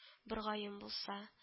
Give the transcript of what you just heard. Боргаен булса